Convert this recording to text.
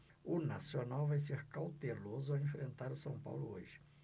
o nacional vai ser cauteloso ao enfrentar o são paulo hoje